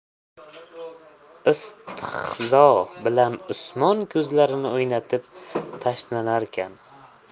istehzo bilan usmon ko'zlarini o'ynatib tamshanarkan